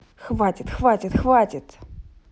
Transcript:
хватит хватит хватит